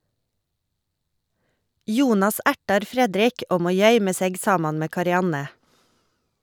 Jonas ertar Fredrik, og må gøyme seg saman med Karianne